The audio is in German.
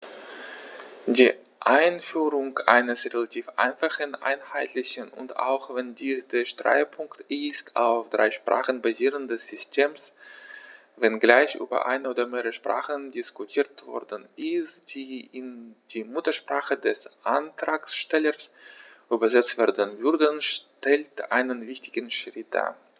Die Einführung eines relativ einfachen, einheitlichen und - auch wenn dies der Streitpunkt ist - auf drei Sprachen basierenden Systems, wenngleich über eine oder mehrere Sprachen diskutiert worden ist, die in die Muttersprache des Antragstellers übersetzt werden würden, stellt einen wichtigen Schritt dar.